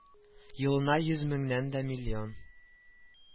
Елына йөз меңнән дә миллион